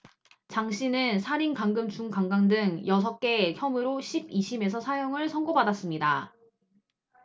장씨는 살인 감금 준강간 등 여섯 개 혐의로 십 이 심에서 사형을 선고받았습니다